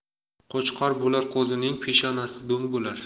qo'chqor bo'lar qo'zining peshonasi do'ng bo'lar